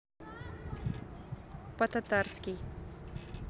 по татарский